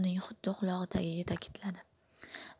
uning xuddi qulog'i tagida takidladi